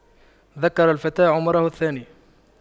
ذكر الفتى عمره الثاني